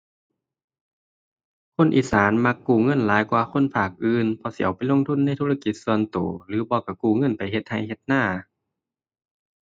คนอีสานมักกู้เงินหลายกว่าคนภาคอื่น เพราะสิเอาไปลงทุนในธุรกิจส่วนตัว หรือบ่ตัวกู้เงินไปเฮ็ดตัวเฮ็ดนา